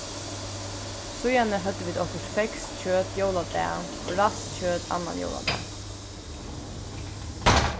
síðani høvdu vit okkurt feskt kjøt jóladag og ræst kjøt annan jóladag